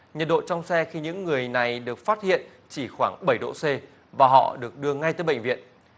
nhiệt độ trong xe khi những người này được phát hiện chỉ khoảng bảy độ xê và họ được đưa ngay tới bệnh viện